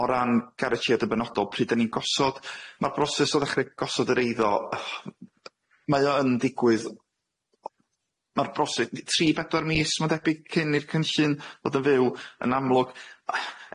O ran garantia dy benodol pryd dyn ni'n gosod ma'r broses o ddechre gosod yr eiddo yy mae o yn ddigwydd ma'r brosy- ni- tri bedwar mis ma'n deby cyn i'r cynllun fod yn fyw yn amlwg,